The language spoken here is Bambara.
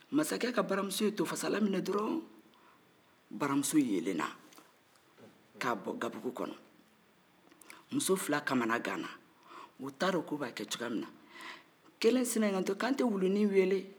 masakɛ ka baramuso ye tofasalan minɛ dɔrɔn baramuso yeelela k'a bɔn gabugu kɔnɔ muso kamana gana ot'a dɔn k'o b'a kɛ cogoya minna kelen sin k'i kan k'an te wuluni weele